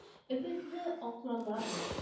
Өметне акларлармы